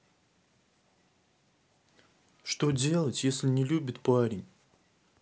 что делать если не любит парень